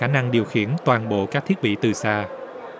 khả năng điều khiển toàn bộ các thiết bị từ xa